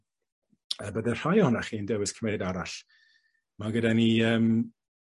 y bydde rhai ohonoch chi yn dewis cymeriad arall. Ma' gyda ni yym